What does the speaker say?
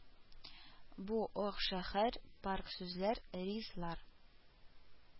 Бу ак шәһәр, парк, сүзләр РИЗ лар